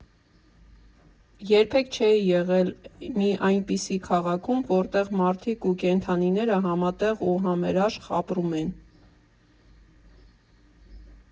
Երբեք չէի եղել մի այնպիսի քաղաքում, որտեղ մարդիկ ու կենդանիները համատեղ ու համերաշխ ապրում են։